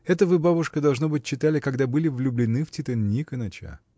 Это вы, бабушка, должно быть, читали, когда были влюблены в Тита Никоныча.